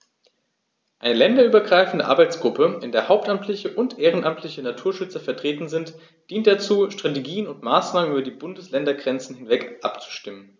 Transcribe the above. Eine länderübergreifende Arbeitsgruppe, in der hauptamtliche und ehrenamtliche Naturschützer vertreten sind, dient dazu, Strategien und Maßnahmen über die Bundesländergrenzen hinweg abzustimmen.